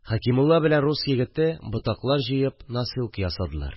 Хәкимулла белән рус егете ботаклар җыеп носилка ясадылар